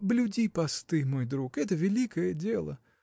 блюди посты, мой друг: это великое дело!